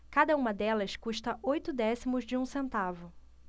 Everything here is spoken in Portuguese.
cada uma delas custa oito décimos de um centavo